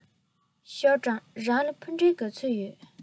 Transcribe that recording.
ཞའོ ཀྲང རང ལ ཕུ འདྲེན ག ཚོད ཡོད